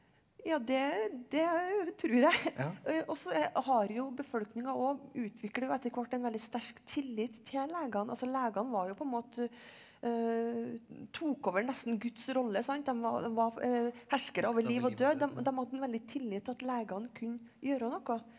ja det det tror jeg også har jo befolkninga òg utvikler jo etterhvert en veldig sterk tillit til legene altså legene var jo på en måte tok over nesten guds rolle sant, dem var herskere over liv og død, dem dem hadde en veldig tillit til at legene kunne gjøre noe.